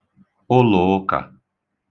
ụlụ̀ụkà